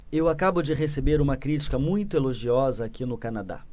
eu acabo de receber uma crítica muito elogiosa aqui no canadá